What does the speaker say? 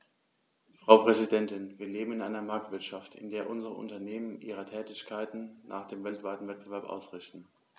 Frau Präsidentin, wir leben in einer Marktwirtschaft, in der unsere Unternehmen ihre Tätigkeiten nach dem weltweiten Wettbewerb ausrichten.